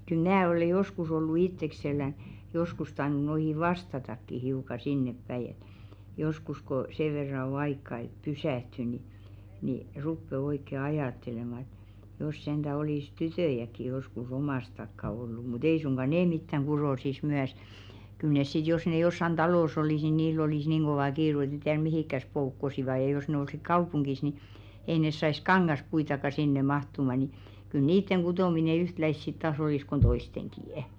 kyllä minä ole joskus ollut itsekselläni joskus tainnut noihin vastatakin hiukan sinnepäin että joskus kun sen verran on aikaa että pysähtyy niin niin rupeaa oikein ajattelemaan ja jos sentään olisi tyttöjäkin joskus omasta takaa ollut mutta ei suinkaan ne mitään kutoisi myös kyllä ne sitten jos ne jossakin talossa olisi niin niillä olisi niin kova kiire että ne tiedä mihinkäs poukkoisivat ja jos ne olisikin kaupungissa niin ei ne saisi kangaspuitakaan sinne mahtumaan niin kyllä niiden kutominen yhtäläistä sitten taas olisi kuin toistenkin